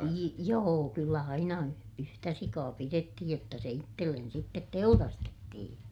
- joo kyllä aina - yhtä sikaa pidettiin jotta se itselle sitten teurastettiin